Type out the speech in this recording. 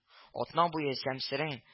—атна буе сәмсерең